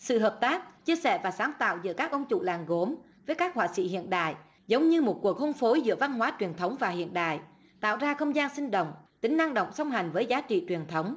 sự hợp tác chia sẻ và sáng tạo giữa các ông chủ làng gốm với các họa sĩ hiện đại giống như một cuộc hôn phối giữa văn hóa truyền thống và hiện đại tạo ra không gian sinh động tính năng động song hành với giá trị truyền thống